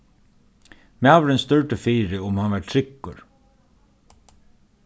maðurin stúrdi fyri um hann var tryggur